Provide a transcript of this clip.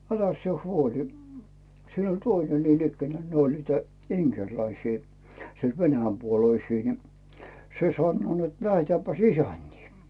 äläs sinä huoli siinä oli toinen niin ikään ne oli niitä inkeriläisiä sieltä venäjänpuoleisia niin se sanoo että lähdetäänpäs isäntiin